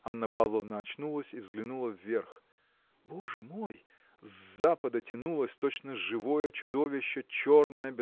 Анна Павловна очнулась и взглянула вверх. Боже мой! С запада тянулось точно живое чудовище черное